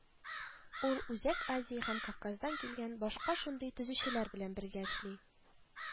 Ул Үзәк Азия һәм Кавказдан килгән башка шундый төзүчеләр белән бергә эшли